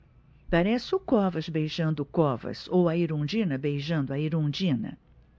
parece o covas beijando o covas ou a erundina beijando a erundina